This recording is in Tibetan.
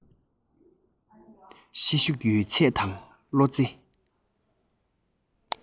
ཤེད ཤུགས ཡོད ཚད དང བློ རྩེ